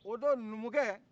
o don numukɛ